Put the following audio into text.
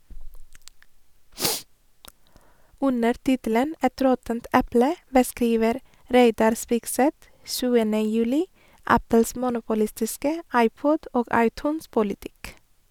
Under tittelen «Et råttent eple » beskriver Reidar Spigseth 7. juli Apples monopolistiske iPod- og iTunes-politikk.